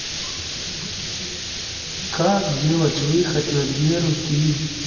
как делать выход на две руки